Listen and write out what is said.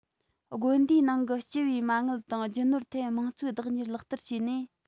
དགོན སྡེའི ནང གི སྤྱི པའི མ དངུལ དང རྒྱུ ནོར ཐད དམངས གཙོའི བདག གཉེར ལག བསྟར བྱས ནས